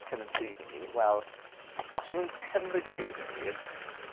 a cymyd swyddi ni wel os 'yn nw'n cymryd swyddi ni